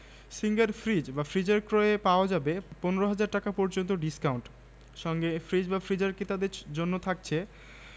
singer fridge freezer ক্রয়ে পাওয়া যাবে ১৫ ০০০ টাকা পর্যন্ত ডিসকাউন্ট সঙ্গে ফ্রিজ বা ফ্রিজার ক্রেতাদের জন্য থাকছে